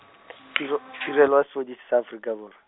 tiro, Tirelo ya Sepodisi sa Aforika Borwa.